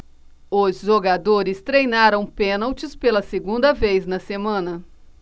os jogadores treinaram pênaltis pela segunda vez na semana